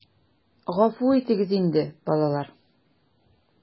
Гафу итегез инде, балалар...